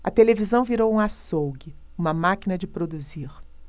a televisão virou um açougue uma máquina de produzir